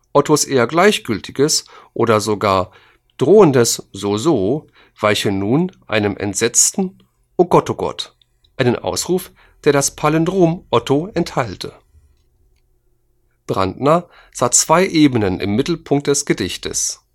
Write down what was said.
Ottos eher gleichgültiges oder sogar drohendes „ soso “weiche nun einem entsetzten „ ogottogott “, einem Ausruf, der das Palindrom „ otto “enthalte. Brandtner sah zwei Ebenen im Mittelpunkt des Gedichts